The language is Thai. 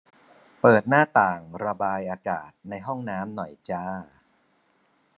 เปิดหน้าต่างระบายอากาศในห้องน้ำหน่อยจ้า